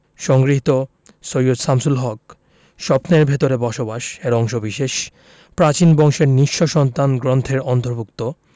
সংগৃহীত জাতীয় শিক্ষাক্রম ও পাঠ্যপুস্তক বোর্ড বাংলা বই এর অন্তর্ভুক্ত